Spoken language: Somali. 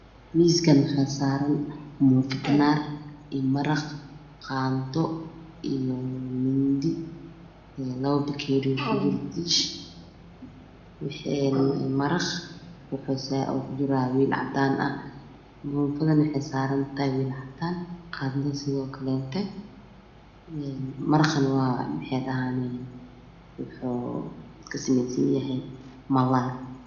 Miiskaan waxaa saaran muufo tinaar iyo maraq qaando iyo mindi iyo labo bakeeri waxa ku jiro kiish waxa ay maraq waxa ay ku jiraa weel cadaan ah muufadana waxay saaran tahay weel cadaan ah qaando sidoo Kaleyke een maraqa waxay dhahaane wuxuu ka shameysan yahay mallaay